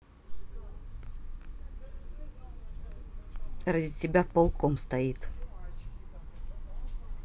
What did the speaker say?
ради тебя пауком стоит